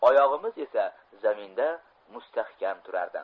oyog'imiz esa zaminda mustahkam turardi